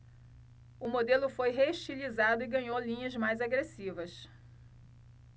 o modelo foi reestilizado e ganhou linhas mais agressivas